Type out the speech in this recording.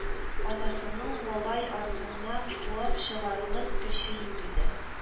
Атасының малай артыннан куып чыгарлык көче юк иде